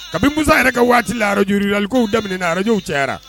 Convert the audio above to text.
Kabini Musa yɛrɛ ka waati la radio kow daminɛ na, radio rurale caayara